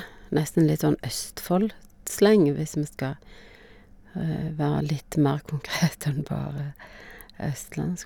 Nesten litt sånn Østfoldslang hvis vi skal være litt mer konkret enn bare østlandsk.